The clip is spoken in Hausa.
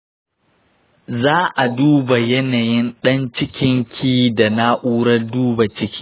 za'a duba yanayin dan cikin ki da na'urar duba ciki.